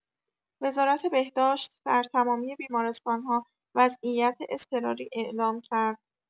وزارت بهداشت در تمامی بیمارستان‌ها وضعیت اضطراری اعلام کرد.